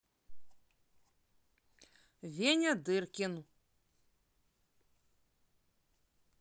веня дыркин